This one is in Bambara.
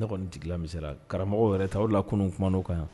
N dɔgɔnin tigila min sera karamɔgɔ yɛrɛ ta' la kunun kuma'o kan yan